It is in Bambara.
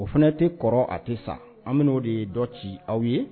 O fana tɛ kɔrɔ a tɛ sa an bɛ oo de ye dɔ ci aw ye